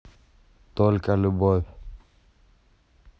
только любовь